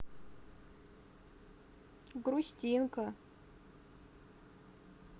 грустинка